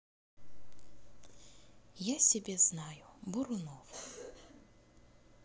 я себя знаю бурунов